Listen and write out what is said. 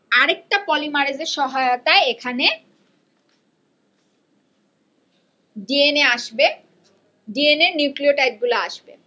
আরেকটা পলিমারেজ এর সহায়তায় এখানে ডি এন এ আসবে ডি এন এ নিউক্লিওটাইড গুলা আসবে